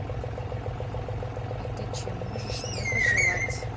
а ты чем можешь мне пожелать